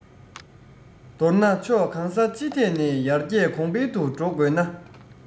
མདོར ན ཕྱོགས གང ས ཅི ཐད ནས ཡར རྒྱས གོང འཕེལ དུ འགྲོ དགོས ན